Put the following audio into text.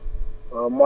kooku